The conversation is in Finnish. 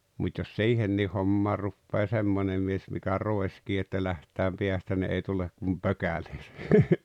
mutta jos siihenkin hommaan rupeaa semmoinen mies mikä roiskii että lähdetään päästä niin ei tule kuin pökäleitä